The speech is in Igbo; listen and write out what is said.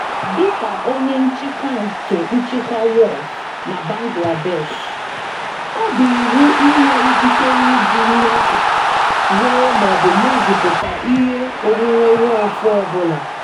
Dị ka onye nchịkwa nke Nchịkwa Waqf nke Bangladesh, ọ bụ iwu inwe ikikere iji nyefee, ree ma ọ bụ mezipụta ihe onwunwe Waqf ọ bula.